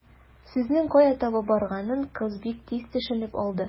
Сүзнең кая таба барганын кыз бик тиз төшенеп алды.